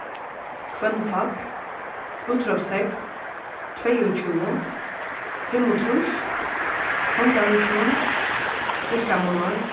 hvønnfall útrópstekn tveyogtjúgu fimmogtrýss kongaríkinum drekkamunnur